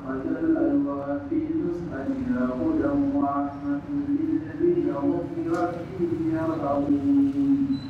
Miniyan miniyanmuyan